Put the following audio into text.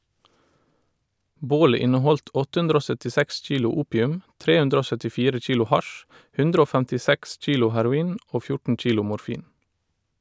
Bålet inneholdt åtte hundre og søttiseks kilo opium, tre hundre og søttifire kilo hasj , hundre og femtiseks kilo heroin og fjorten kilo morfin.